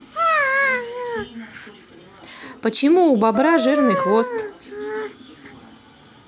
почему у бобра жирный хвост